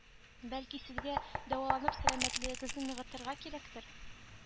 Бәлки сезгә дәваланып сәламәтлегегезне ныгытырга кирәктер